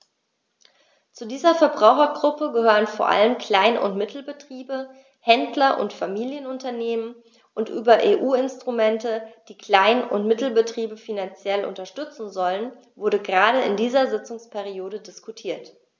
Zu dieser Verbrauchergruppe gehören vor allem Klein- und Mittelbetriebe, Händler und Familienunternehmen, und über EU-Instrumente, die Klein- und Mittelbetriebe finanziell unterstützen sollen, wurde gerade in dieser Sitzungsperiode diskutiert.